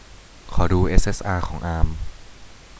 ขอดูเอสเอสอาของอาม